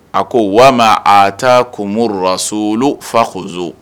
A ko wama aa taa kumurasuulu fa kusu